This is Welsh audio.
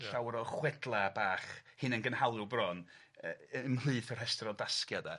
Ia. Llawer o chwedla bach hunain gynhaliol bron yy ymhlith y rhestyr o dasgia de.